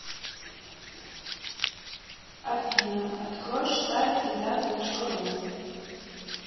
афина откроешь сайт еда точка ру